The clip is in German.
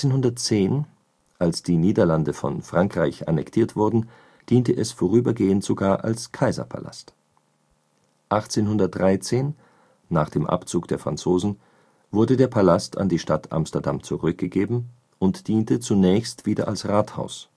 1810, als die Niederlande von Frankreich annektiert wurden, diente es vorübergehend sogar als Kaiserpalast. 1813, nach dem Abzug der Franzosen, wurde der Palast an die Stadt Amsterdam zurückgegeben und diente zunächst wieder als Rathaus